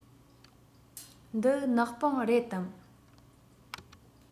འདི ནག པང རེད དམ